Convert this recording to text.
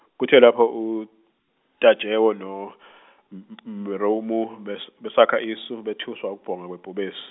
kuthe lapho oTajewo no m- m- m- Meromo bes- besakha isu bethuswa ukubhonga kwebhubesi